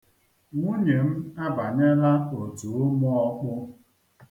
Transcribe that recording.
Nwunye m abanyela otu ụmụọkpụ.